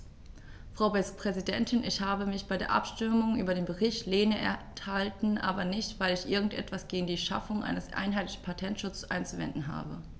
Frau Präsidentin, ich habe mich bei der Abstimmung über den Bericht Lehne enthalten, aber nicht, weil ich irgend etwas gegen die Schaffung eines einheitlichen Patentschutzes einzuwenden habe.